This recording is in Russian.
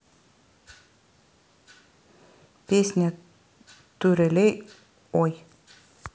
песня турелей ой